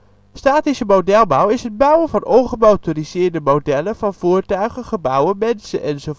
Statische modelbouw is het bouwen van ongemotoriseerde modellen van voertuigen, gebouwen, mensen enz